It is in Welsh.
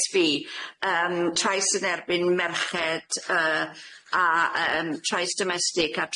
Ess Vee yym trais yn erbyn merched yy a yym trais domestig a